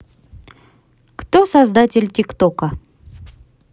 кто создатель тик тока